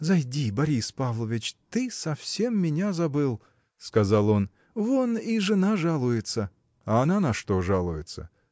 — Зайди, Борис Павлович: ты совсем меня забыл, — сказал он, — вон и жена жалуется. — А она на что жалуется?